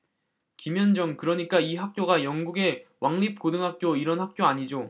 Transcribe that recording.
김현정 그러니까 이 학교가 영국의 왕립고등학교 이런 학교 아니죠